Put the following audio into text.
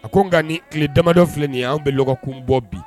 A ko nka nin tile damadɔ filɛ nin ye an bɛ kun bɔ bi